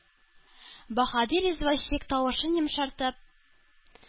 Баһадир извозчик, тавышын йомшартып,